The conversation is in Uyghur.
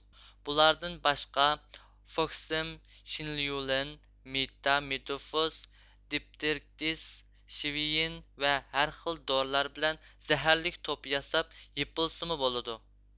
بۇلاردىن باشقا فوكسىم شىنليۇلىن مېتا مىدوفوس دىپتېرىكىس شۋىييىن ۋە ھەرخىل دورىلار بىلەن زەھەرلىك توپا ياساپ يېپىلسىمۇ بولىدۇ